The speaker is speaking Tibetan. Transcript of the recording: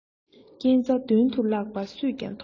རྐྱེན རྩ མདུན དུ ལྷག པ སུས ཀྱང མཐོང